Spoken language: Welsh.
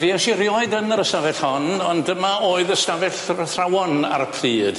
Fuesh i rioed yn yr ystafell hon ond dyma oedd ystafell yr athrawon ar y pryd.